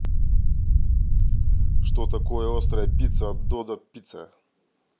что такое острая пицца от додо пицца